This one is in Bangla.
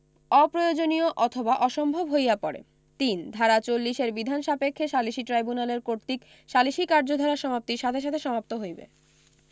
অপ্রয়োজনীয় অথবা অসম্ভব হইয়া পড়ে ৩ ধারা ৪০ এর বিধান সাপেক্ষে সালিসী ট্রাইব্যুনালের কর্তৃত্ব সালিসী কার্যধারা সমাপ্তির সাথে সাথে সমাপ্ত হইবে